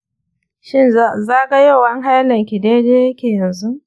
shin zagayowan hailanki daidai yake yanzu?